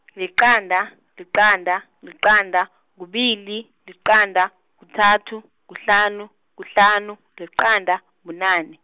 liqanda, liqanda, liqanda, kubili, liqanda, kuthathu, kuhlanu, kuhlanu, liqanda, bunane.